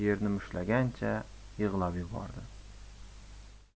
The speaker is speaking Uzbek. yerni mushtlagancha yig'lab yubor di